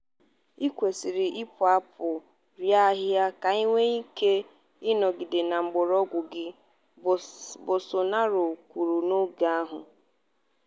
"""Ị kwesịrị ịpụ apụ rie ahịhịa ka i wee nwee ike ịnọgide na mgbọrọgwụ gị," Bolsonaro kwuru n'oge ahụ.